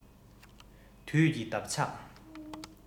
དུས ཀྱི འདབ ཆགས